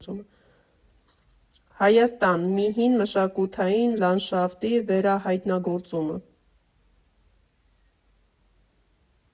Հայաստան. մի հին մշակութային լանդշաֆտի վերահայտնագործումը։